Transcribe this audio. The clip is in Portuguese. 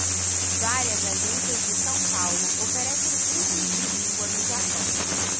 várias agências de são paulo oferecem cursos de língua no japão